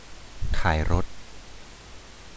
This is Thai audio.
ขายรถ